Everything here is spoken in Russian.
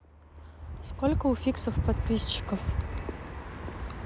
сколько у фиксов подписчиков